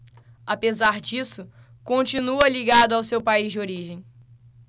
apesar disso continua ligado ao seu país de origem